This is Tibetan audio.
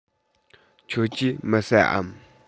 ཁྱེད ཀྱིས མི ཟ འམ